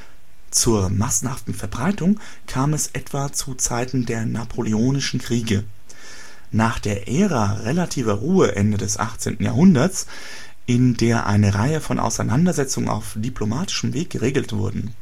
Zur massenhaften Verbreitung kam es etwa zu Zeiten der Napoleonischen Kriege. Nach der Ära relativer Ruhe Ende des 18. Jahrhunderts, in der eine Reihe von Auseinandersetzungen auf diplomatischem Weg geregelt wurden